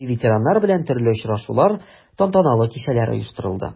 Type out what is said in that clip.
Хәрби ветераннар белән төрле очрашулар, тантаналы кичәләр оештырылды.